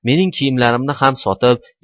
mening kiyimlarimni ham sotib